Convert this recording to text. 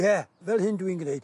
Ie, fel hyn dwi'n gneud.